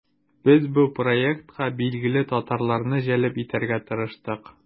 Без бу проектка билгеле татарларны җәлеп итәргә тырыштык.